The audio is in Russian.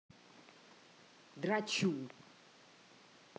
дрочу